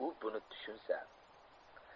u buni tushunsa